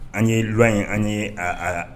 An ye ye an ye